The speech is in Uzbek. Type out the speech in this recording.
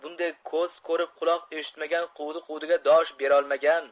bunday ko'z ko'rib quloq eshitmagan quvdi quvdiga dosh berolmagan